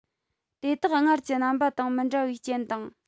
དེ དག སྔར གྱི རྣམ པ དང མི འདྲ བའི རྐྱེན དང